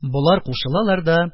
Болар кушылалар да,